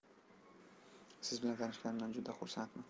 siz bilan tanishganimdan juda xursandman